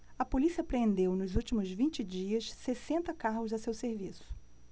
a polícia apreendeu nos últimos vinte dias sessenta carros a seu serviço